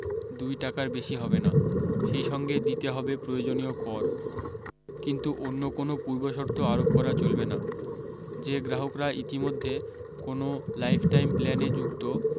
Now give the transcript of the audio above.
দুই টাকার বেশী হবে না সেই সঙ্গে দিতে হবে প্রয়োজনীয় কর কিন্তু অন্য কোনও পূর্বশর্ত আরোপ করা চলবে না যে গ্রাহকরা ইতিমধ্যে কোনও লাইফটাইম প্ল্যানে যুক্ত